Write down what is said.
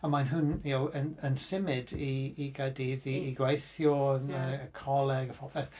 A mae nhw'n, y'know, yn yn symud i i Gaerdydd i i gweithio neu y coleg a popeth.